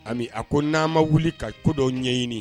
Ami a ko n'a ma wuli ka ko dɔw ɲɛɲini